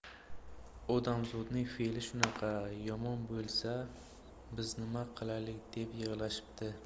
odamzodning feli shunaqa yomon bo'lsa biz nima qilaylik deb yig'lashibdi